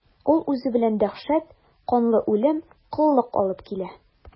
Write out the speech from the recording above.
Ул үзе белән дәһшәт, канлы үлем, коллык алып килә.